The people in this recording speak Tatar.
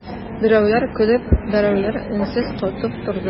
Берәүләр көлеп, берәүләр өнсез катып торды.